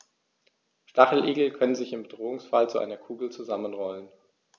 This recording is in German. Stacheligel können sich im Bedrohungsfall zu einer Kugel zusammenrollen.